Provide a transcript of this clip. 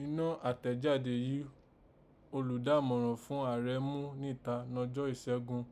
Ninọ́ àtẹ̀jáde yìí olùdámọ̀ràn fún rarẹ̀ mú níta nọjọ́ ìsẹ́gun